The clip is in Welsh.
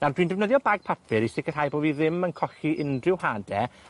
Nawr dwi'n defnyddio bag papur i sicirhau bo' fi ddim yn colli unrhyw hade,